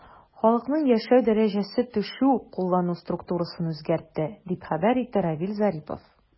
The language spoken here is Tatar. Халыкның яшәү дәрәҗәсе төшү куллану структурасын үзгәртте, дип хәбәр итте Равиль Зарипов.